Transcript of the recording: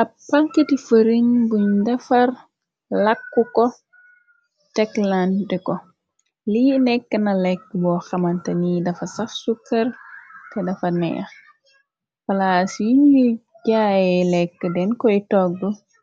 Ab panketi fërin guñ defar ,làkku ko, tekkland deko , li nekkna lekk boo xamanta ni dafa saf su kër te dafa neex. Palaas yi ñuy jaaye lekka den koy togg